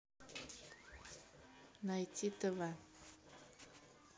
найти тв